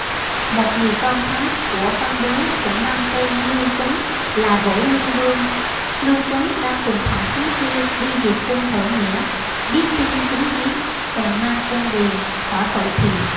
một người con khác của văn đế cũng mang tên lưu tuấn là vũ lăng vương lưu tuấn đang cùng thẩm khánh chi đi dẹp quân khởi nghĩa biết tin chính biến bèn mang quân về hỏi tội thiệu